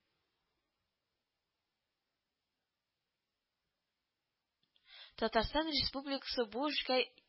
Татарстан республикасы бу эшкә